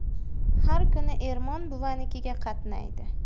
har kuni ermon buvanikiga qatnaydi